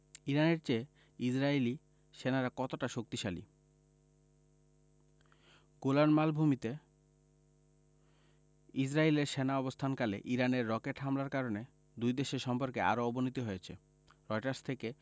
ইরানের চেয়ে ইসরাইলি সেনারা কতটা শক্তিশালী গোলান মালভূমিতে ইসরায়েলে সেনা অবস্থানকালে ইরানের রকেট হামলার কারণে দুই দেশের সম্পর্কের আরও অবনতি হয়েছে রয়টার্স থেকে